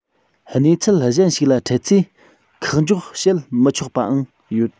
གནས ཚུལ གཞན ཞིག ལ འཕྲད ཚེ ཁག འཇོག བྱེད མི ཆོག པའང ཡོད